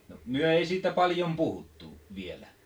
no me ei siitä paljon puhuttu vielä